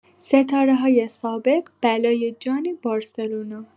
ستاره‌های سابق بلای جان بارسلونا